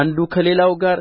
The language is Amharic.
አንዱ ከሌላው ጋር